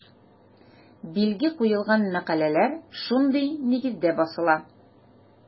Билге куелган мәкаләләр шундый нигездә басыла.